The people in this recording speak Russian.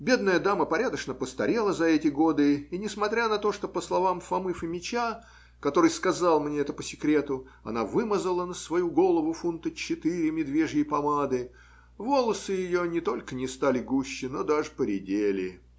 Бедная дама порядочно постарела за эти годы и, несмотря на то, что, по словам Фомы Фомича (который сказал мне это по секрету), она вымазала на свою голову фунта четыре медвежьей помады, волосы ее не только не стали гуще, но даже поредели.